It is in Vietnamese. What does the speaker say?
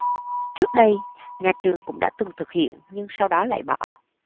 trước đây nhà trường cũng đã từng thực hiện nhưng sau đó lại bỏ